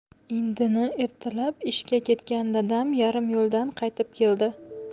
indini ertalab ishga ketgan dadam yarim yo'ldan qaytib keldi